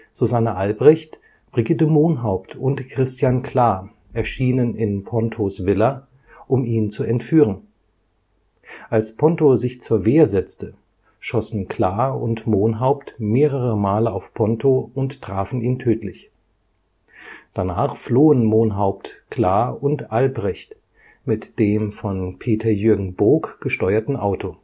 Susanne Albrecht, Brigitte Mohnhaupt und Christian Klar erschienen in Pontos Villa, um ihn zu entführen. Als Ponto sich zur Wehr setzte, schossen Klar und Mohnhaupt mehrere Male auf Ponto und trafen ihn tödlich. Danach flohen Mohnhaupt, Klar und Albrecht mit dem von Peter-Jürgen Boock gesteuerten Auto